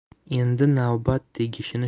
endi navbat tegishini